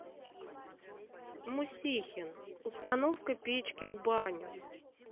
мусихин установка печки в баню